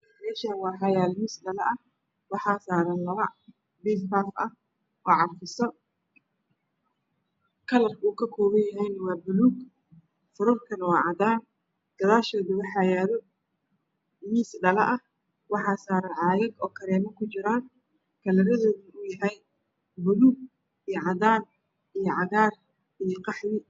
Meeshaan waxaa yaalo miis dhalo ah waxaa saaran labo biifbaaf ah oo carfisa kalarka uu ka kooban yahay waa buluug furarkuna waa cadaan gadaashooda waxaa yaalo miis dhalo ah waxaa saaran caagag oo kareemo kujiraan kalaradoodu uu yahay buluug, cadaan, cagaar iyo qaxwi.